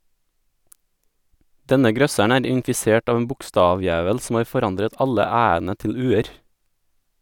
Denne grøsseren er infisert av en bokstavdjevel som har forandret alle "æ"-ene til "u"-er.